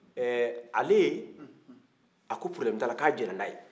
ee ale a ko pɔrɔbilɛmu t'a la ka diɲɛna n'a ye